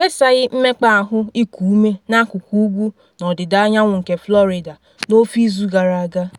Ekpesaghị mmekpa ahụ iku ume na akụkụ Ugwu na ọdịda anyanwụ nke Florida n’ofe izu gara aga.